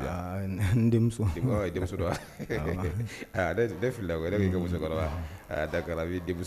Aa n denmuso, ɔ i denmuso don wa, ne filila koyi ne ko i ka musɔkɔrɔra ah d'accord an b'i denmuso